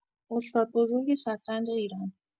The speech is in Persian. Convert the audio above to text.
استاد بزرگ شطرنج ایران